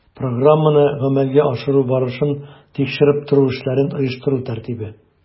Программаны гамәлгә ашыру барышын тикшереп тору эшләрен оештыру тәртибе